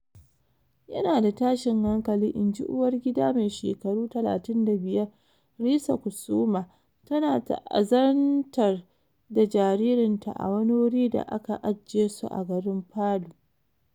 "Yana da tashin hankali," in ji uwargida mai shekaru 35, Risa Kusuma, tana ta'azantar da jaririnta a wani wuri da aka aje su a garin Palu.